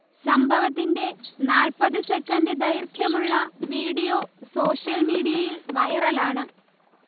സംഭവത്തിന്റെ നാൽപ്പത് സെക്കൻഡ് ദൈർഘ്യമുള്ള വീഡിയോ സോഷ്യൽ മീഡിയയിൽ വൈറലാണ്